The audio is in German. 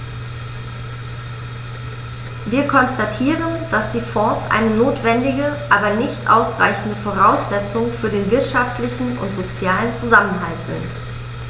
Wir konstatieren, dass die Fonds eine notwendige, aber nicht ausreichende Voraussetzung für den wirtschaftlichen und sozialen Zusammenhalt sind.